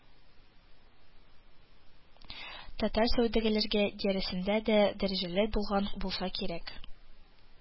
Татар сәүдәгәрләре даирәсендә дә дәрәҗәле булган булса кирәк